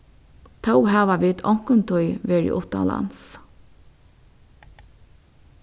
tó hava vit onkuntíð verið uttanlands